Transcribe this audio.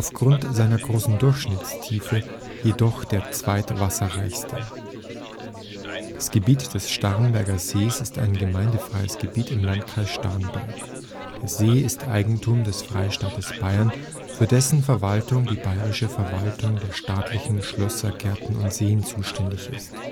aufgrund seiner großen Durchschnittstiefe jedoch der zweitwasserreichste. Das Gebiet des Starnberger Sees ist ein gemeindefreies Gebiet im Landkreis Starnberg. Der See ist Eigentum des Freistaates Bayern, für dessen Verwaltung die Bayerische Verwaltung der staatlichen Schlösser, Gärten und Seen zuständig ist